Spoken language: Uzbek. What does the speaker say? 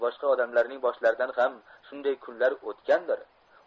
boshqa odamlarning boshlaridan ham shunday kunlar o'tgandir